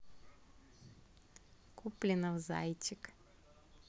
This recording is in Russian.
куплинов зайчик